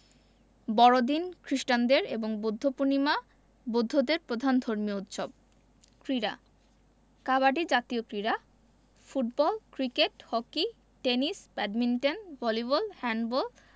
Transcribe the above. বড়দিন খ্রিস্টানদের এবং বৌদ্ধপূর্ণিমা বৌদ্ধদের প্রধান ধর্মীয় উৎসব ক্রীড়াঃ কাবাডি জাতীয় ক্রীড়া football cricket hockey tennis badminton volleyball handball